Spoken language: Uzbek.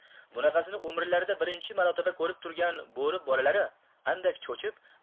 bunaqasini umrlarida birinchi marotaba ko'rib turgan bo'ri bolalari andak cho'chib